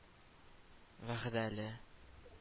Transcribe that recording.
Вәгъдәле